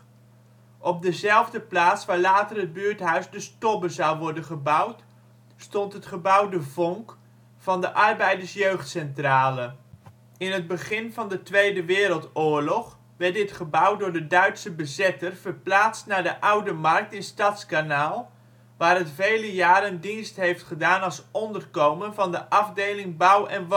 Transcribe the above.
Op dezelfde plaats waar later het buurthuis ' de Stobbe ' zou worden gebouwd stond het gebouw ' de Vonk ' van de Arbeiders Jeugd Centrale. In het begin van de Tweede Wereldoorlog werd dit gebouw door de Duitse bezetter verplaatst naar de Oude Markt in Stadskanaal (waar het vele jaren dienst heeft gedaan als onderkomen van de afdeling bouw - en